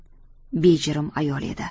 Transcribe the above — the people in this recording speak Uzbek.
bejirim ayol edi